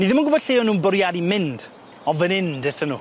Ni ddim yn gwbo lle o'n nw'n bwriadu mynd ond fyn 'yn dethon nw.